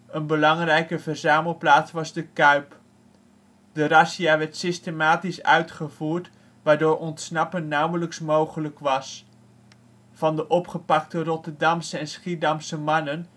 een belangrijke verzamelplaats was De Kuip. De razzia werd systematisch uitgevoerd waardoor ontsnappen nauwelijks mogelijk was. Van de opgepakte Rotterdamse en Schiedamse mannen